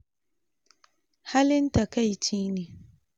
halin takaici ne.”